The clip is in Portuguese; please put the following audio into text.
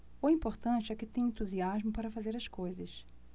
o importante é que tenho entusiasmo para fazer as coisas